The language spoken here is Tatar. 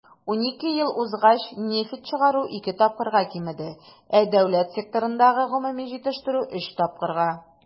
12 ел узгач нефть чыгару ике тапкырга кимеде, ә дәүләт секторындагы гомуми җитештерү - өч тапкырга.